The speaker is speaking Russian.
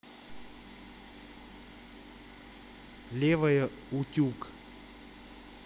левая утюг